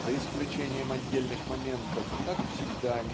за исключением отдельных моментов как всегда